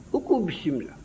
u k'u bisimila